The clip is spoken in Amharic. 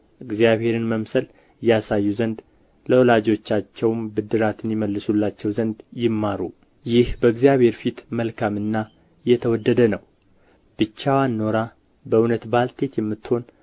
እግዚአብሔርን መምሰል ያሳዩ ዘንድ ለወላጆቻቸውም ብድራትን ይመልሱላቸው ዘንድ ይማሩ ይህ በእግዚአብሔር ፊት መልካምና የተወደደ ነውና ብቻዋንም ኖራ በእውነት ባልቴት የምትሆን